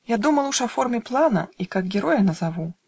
Я думал уж о форме плана И как героя назову